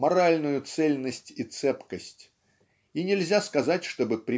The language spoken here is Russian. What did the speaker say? моральную цельность и цепкость и нельзя сказать чтобы